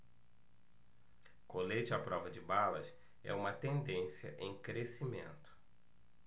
colete à prova de balas é uma tendência em crescimento